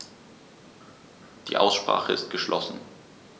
Die Aussprache ist geschlossen.